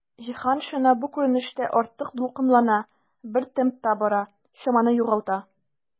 Җиһаншина бу күренештә артык дулкынлана, бер темпта бара, чаманы югалта.